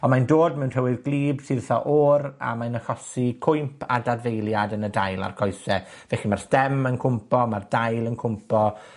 Ond mae'n dod mewn tywydd gwlyb sydd itha o'r a mae'n achosi cwymp a dadfeiliad yn y dail a'r coese. Felly, ma'r stem yn cwmpo, ma'r dail yn cwmpo,